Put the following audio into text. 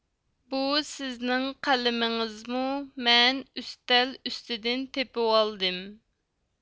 بۇ سىزنىڭ قەلىمىڭىزمۇ مەن ئۈستەل ئاستىدىن تېپۋالدىم